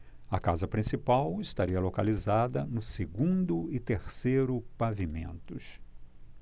a casa principal estaria localizada no segundo e terceiro pavimentos